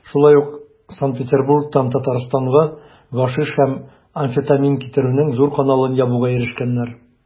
Шулай ук Санкт-Петербургтан Татарстанга гашиш һәм амфетамин китерүнең зур каналын ябуга ирешкәннәр.